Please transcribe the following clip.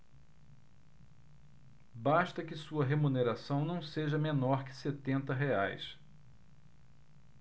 basta que sua remuneração não seja menor que setenta reais